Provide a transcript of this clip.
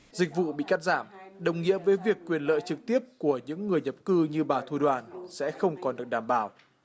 dịch vụ bị cắt giảm đồng nghĩa với việc quyền lợi trực tiếp của những người nhập cư như bà thu đoàn sẽ không còn được đảm bảo